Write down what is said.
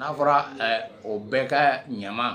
N'a fɔra o bɛɛ ka ɲa